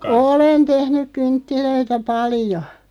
olen tehnyt kynttilöitä paljon